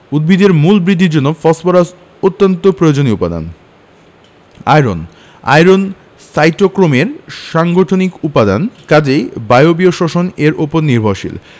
উদ্ভিদের মূল বৃদ্ধির জন্য ফসফরাস অত্যন্ত প্রয়োজনীয় উপাদান আয়রন আয়রন সাইটোক্রোমের সাংগঠনিক উপাদান কাজেই বায়বীয় শ্বসন এর উপর নির্ভরশীল